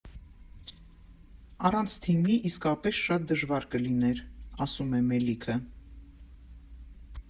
«Առանց թիմի իսկապես շատ դժվար կլիներ, ֊ ասում է Մելիքը։